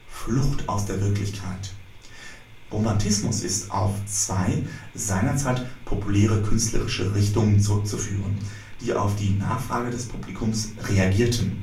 Flucht aus der Wirklichkeit). Romantismus ist auf zwei seinerzeit populäre künstlerische Richtungen zurückzuführen, die auf die Nachfrage des Publikums reagierten